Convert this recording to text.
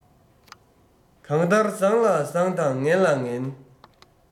གང ལྟར བཟང ལ བཟང དང ངན ལ ངན